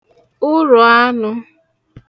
urùanụ̄